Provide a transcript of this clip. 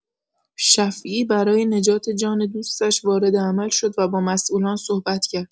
شفیع برای نجات جان دوستش وارد عمل شد و با مسئولان صحبت کرد.